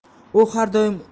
u har doim